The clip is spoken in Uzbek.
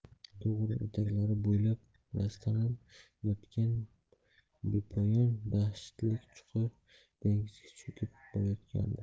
tog' etaklari bo'ylab yastanib yotgan bepoyon dashtlik chuqur dengizga cho'kib borayotgandi